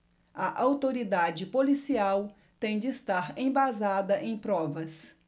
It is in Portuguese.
a autoridade policial tem de estar embasada em provas